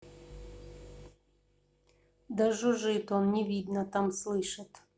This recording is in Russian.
да жужжит он не видно там слышит